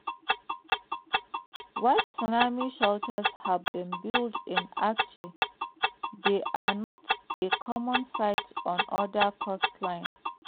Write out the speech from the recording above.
While tsunami shelters have been built in Aceh, they are not a common sight on other coastlines.